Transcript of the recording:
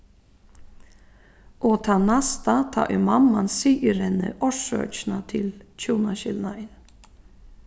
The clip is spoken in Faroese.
og tann næsta tá ið mamman sigur henni orsøkina til hjúnaskilnaðin